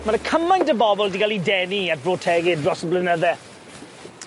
My' 'ny cymaint o bobol 'di ga'l 'u denu ay Bro Tegid dros y blynydde.